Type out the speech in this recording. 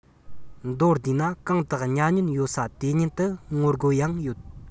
མདོར བསྡུས ན གང དུ གཉའ གནོན ཡོད ས དེ ཉིད དུ ངོ རྒོལ ཡང ཡོད པ